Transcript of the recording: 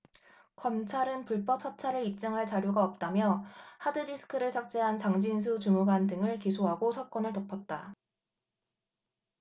검찰은 불법 사찰을 입증할 자료가 없다며 하드디스크를 삭제한 장진수 주무관 등을 기소하고 사건을 덮었다